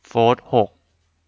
โฟธหก